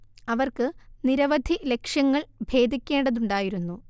അവർക്ക് നിരവധി ലക്ഷ്യങ്ങൾ ഭേദിക്കേണ്ടതുണ്ടായിരുന്നു